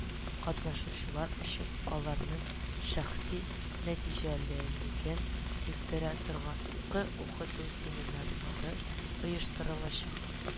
Катнашучылар өчен аларның шәхси нәтиҗәлелеген үстерә торган уку-укыту семинарлары оештырылачак